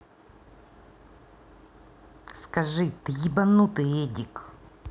скажи ты ебанутый эдик